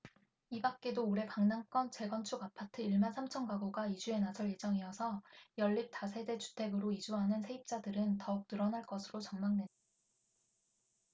이밖에도 올해 강남권 재건축 아파트 일 만 삼천 가구가 이주에 나설 예정이어서 연립 다세대주택으로 이주하는 세입자들은 더욱 늘어날 것으로 전망된다